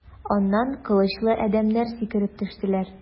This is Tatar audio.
Аннан кылычлы адәмнәр сикереп төштеләр.